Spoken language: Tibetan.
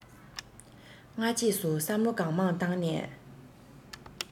སྔ རྗེས སུ བསམ བློ གང མང བཏང ནས